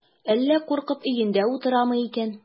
Әллә куркып өендә утырамы икән?